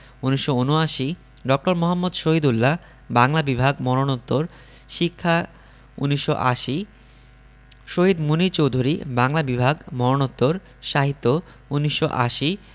১৯৭৯ ড. মুহম্মদ শহীদুল্লাহ বাংলা বিভাগ মরণোত্তর শিক্ষা ১৯৮০ শহীদ মুনীর চৌধুরী বাংলা বিভাগ মরণোত্তর সাহিত্য ১৯৮০